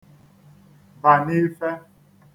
bà n'ife